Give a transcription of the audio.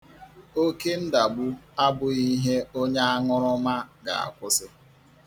Oke ndagbu abụghị ihe onye aṅụrụma ga-akwụsị.